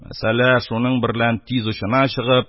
Мәсьәлә шуның берлән тиз очына чыгып,